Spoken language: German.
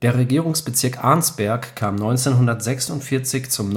Regierungsbezirk Arnsberg kam 1946 zum